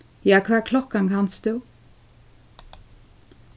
ja hvat klokkan kanst tú